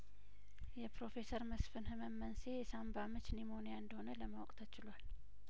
የፕሮፌሰር መስፍን ህመም መንስኤ የሳምባምች ኒሞኒያ እንደሆነ ለማወቅ ተችሏል